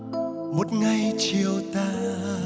một ngày chiều tàn